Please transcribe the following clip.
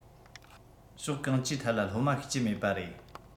ཕྱོགས གང ཅིའི ཐད ལ སློབ མ ཤེས ཀྱི མེད པ རེད